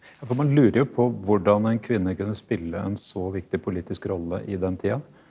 ja for man lurer jo på hvordan en kvinne kunne spille en så viktig politisk rolle i den tida.